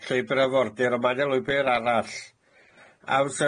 llwybyr afordir on mae ne lwybyr arall.